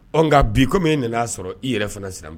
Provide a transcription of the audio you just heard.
Ɔ nka bi kɔmi e nana'a sɔrɔ i yɛrɛ fana sira ma